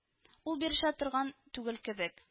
— ул бирешә торган түгел кебек